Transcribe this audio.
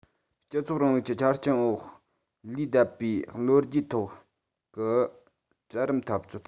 སྤྱི ཚོགས རིང ལུགས ཀྱི ཆ རྐྱེན འོག ལུས བསྡད པའི ལོ རྒྱུས ཐོག གི གྲལ རིམ འཐབ རྩོད